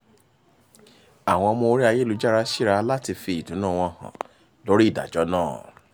Àwọn ọmọ orí ayélujára ṣíra láti fi ìdùnnúu wọn hàn lóríi ìdájọ́ náà.